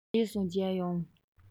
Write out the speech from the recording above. རྗེས སུ མཇལ ཡོང